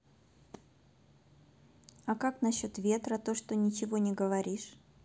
а как насчет ветра то что ничего не говоришь